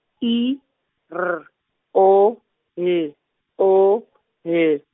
I R O L O L.